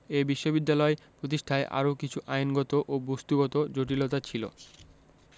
এ বিশ্ববিদ্যালয় প্রতিষ্ঠায় আরও কিছু আইনগত ও বস্ত্তগত জটিলতা ছিল